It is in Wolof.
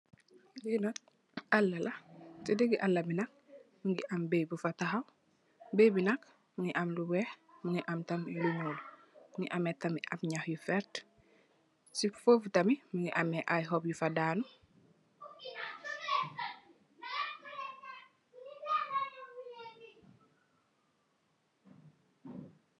Li nak alla la ci diggu alla bi nak mungi am beye bufa taxaw, beye bi nak mungi am lu weex, mungi am tamid lu ñuul mungi am nyax yu verte, fofu nak mungi ame xop yufa danu yu verte.